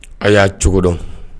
Ayiwa y'a cogo dɔn